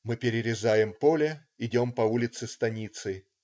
Мы перерезаем поле, идем по улице станицы.